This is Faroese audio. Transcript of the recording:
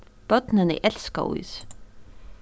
børnini elska ís